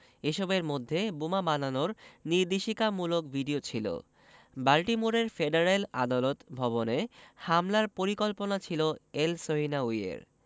এসবের মধ্যে বোমা বানানোর নির্দেশিকামূলক ভিডিও ছিল বাল্টিমোরের ফেডারেল আদালত ভবনে হামলার পরিকল্পনা ছিল এলসহিনাউয়ির